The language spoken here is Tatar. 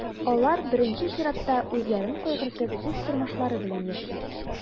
Алар, беренче чиратта, үзләрен кайгыртып, үз тормышлары белән яши.